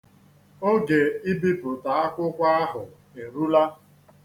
Oge ibipụ̀ta akwụkwọ ahụ erula.